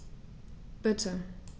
Bitte.